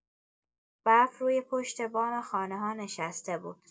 برف روی پشت‌بام خانه‌ها نشسته بود.